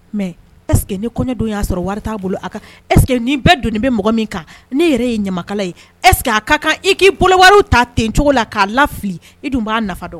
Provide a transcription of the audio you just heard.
Mɛ eseke ni kɔɲɔdenw y'a sɔrɔ wari t'a bolo a eseke nii bɛɛ doni bɛ mɔgɔ min kan ne yɛrɛ ye ɲamakala ye eseke a ka kan i k'i bolowa ta ten cogo la k'a lali e dun b'a nafa dɔn